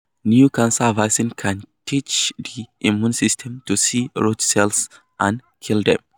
New cancer vaccine can teach the immune system to 'see' rogue cells and kill them